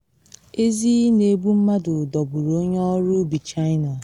Ezi Na Egbu Mmadụ Dọgburu Onye Ọrụ Ubi China